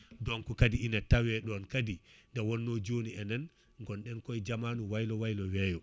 donc kadi ina taweɗon kadi nde wonno joni enen gonɗen koye jaamanu waylo waylo weeyo